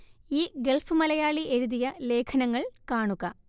ഈ ഗൾഫ് മലയാളി എഴുതിയ ലേഖനങ്ങൾ കാണുക